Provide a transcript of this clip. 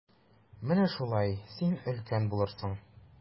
Менә шулай, син өлкән булырсың.